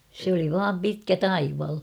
se oli vain pitkä taival